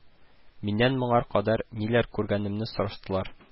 Миннән моңар кадәр ниләр күргәнемне сораштылар